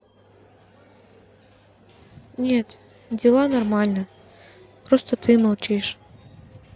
нет дела нормально просто ты молчишь